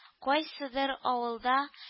Кайсыдыр авылда